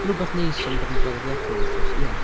Mae 'na wbath neis am bod yn draddodiadol weithiau s- ie.